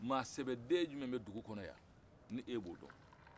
maasɛbɛden jumɛ bɛ dugu kɔnɔ yan ni e b'o dɔn